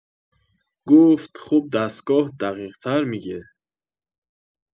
گفت: «خب دستگاه دقیق‌تر می‌گه.»